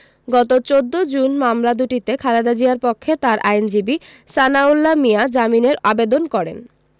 গত ১৪ জুন মামলা দুটিতে খালেদা জিয়ার পক্ষে তার আইনজীবী সানাউল্লাহ মিয়া জামিনের আবেদন করেন